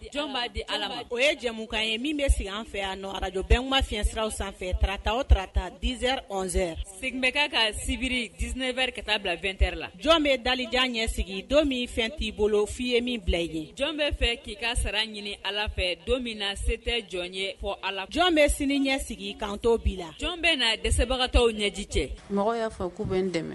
Jɔn'a di ala ma o ye jɛmukan ye min bɛ sigi an fɛ a nɔ araj bɛɛma fisiraw sanfɛ tarata o tata dizz segin bɛ ka ka sibiri d7e wɛrɛri ka taa bila2t la jɔn bɛ dajan ɲɛsigi don min fɛn t'i bolo f'i ye min bila i ye jɔn bɛ fɛ k'i ka sara ɲini ala fɛ don min na se tɛ jɔn ye fɔ a la jɔn bɛ sini ɲɛsigi kan tɔw bi la jɔn bɛ na dɛsɛbagatɔ ɲɛji cɛ mɔgɔ y'a ko bɛ dɛmɛ